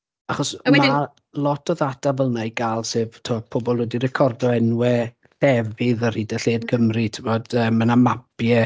Achos... a wedyn. ...ma' lot o ddata fel 'na i gael sef timod pobl wedi recordo enwau llefydd ar hyd a lled Cymru timod ma' 'na mapiau.